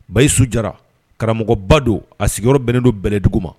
Bayi sudi karamɔgɔba don a sigiyɔrɔ bɛnendo bɛlɛdugu ma